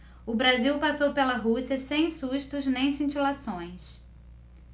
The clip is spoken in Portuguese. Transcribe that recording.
o brasil passou pela rússia sem sustos nem cintilações